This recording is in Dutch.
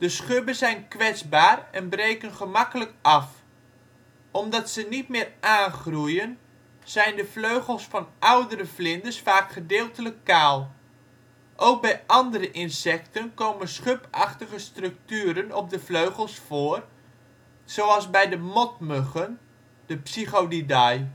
schubben zijn kwetsbaar en breken gemakkelijk af. Omdat ze niet meer aangroeien zijn de vleugels van oudere vlinders vaak gedeeltelijk kaal. Ook bij andere insecten komen schub-achtige structuren op de vleugels voor, zoals bij de motmuggen (Psychodidae